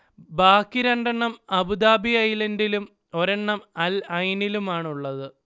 ബാക്കി രണ്ടെണ്ണം അബുദാബി ഐലൻഡിലും ഒരെണ്ണം അൽ ഐനിലുമാണുള്ളത്